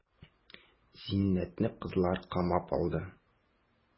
Зиннәтне кызлар камап алды.